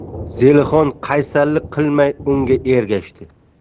zelixon qaysarlik qilmay unga ergashdi